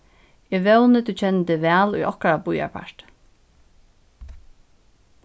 eg vóni at tú kennir teg væl í okkara býarparti